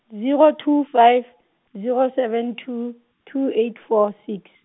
zero two five, zero seven two, two eight four six.